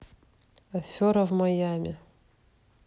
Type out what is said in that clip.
афера в майами